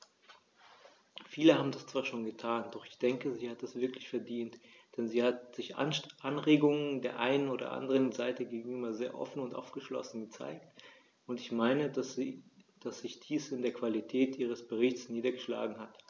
Viele haben das zwar schon getan, doch ich denke, sie hat es wirklich verdient, denn sie hat sich Anregungen der einen und anderen Seite gegenüber sehr offen und aufgeschlossen gezeigt, und ich meine, dass sich dies in der Qualität ihres Berichts niedergeschlagen hat.